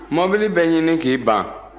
mobili bɛ ɲini k'i ban